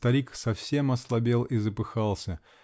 Старик совсем ослабел и запыхался